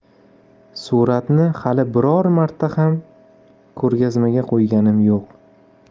suratni hali biron marta ham ko'rgazmaga qo'yganim yo'q